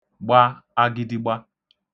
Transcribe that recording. gba agidigba